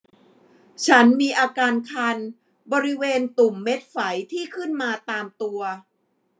ฉันมีอาการคันบริเวณตุ่มเม็ดไฝที่ขึ้นมาตามตัว